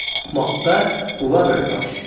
ahmoqqa quva bir tosh